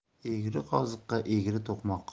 egri qoziqqa egri to'qmoq